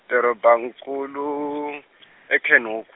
doroba nkulu, Eikenhof.